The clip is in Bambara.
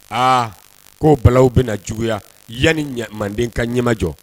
Aa ko balahu bɛna juguya yani manden ka ɲɛmajɔ